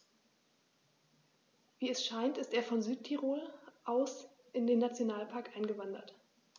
Wie es scheint, ist er von Südtirol aus in den Nationalpark eingewandert.